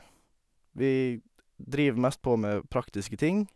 Vi driver mest på med praktiske ting.